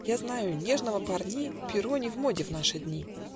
Я знаю: нежного Парни Перо не в моде в наши дни.